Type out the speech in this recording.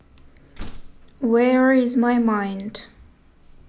where is my mind